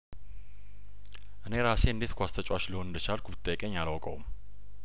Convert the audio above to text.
እኔ ራሴ እንዴት ኳስ ተጫዋችል ሆን እንደቻልኩ ብ ትጠይቀኝ አላውቀውም